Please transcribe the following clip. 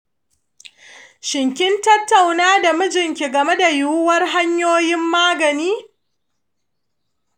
shin kin tattauna da mijinki game da yiwuwar hanyoyin magani?